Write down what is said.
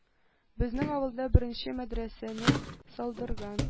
– безнең авылда беренче мәдрәсәне салдырган”,